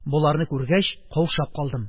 Боларны күргәч, каушап калдым: